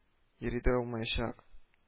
Йөри дә алмаячак…